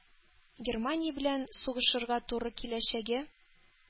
Германия белән сугышырга туры киләчәге